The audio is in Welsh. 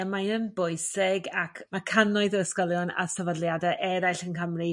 mae yn bwysig ac ma' cannoedd o ysgolion a sefydliade eraill yn Cymru